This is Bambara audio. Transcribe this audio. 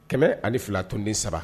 Kɛmɛ ani fila tunonden saba